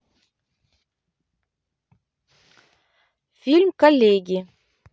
фильм коллеги